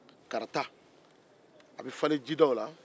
karata a bɛ falen jidaw la